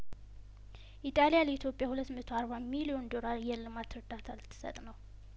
ኢጣሊያ ለኢትዮጵያ ሁለት መቶ አርባ ሚሊዮን ዶራል የልማት ርዳታ ልትሰጥ ነው